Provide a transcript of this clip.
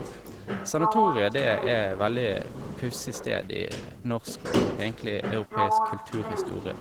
Sanatoriet, det er veldig pussig sted i norsk og egentlig europeisk kulturhistorie.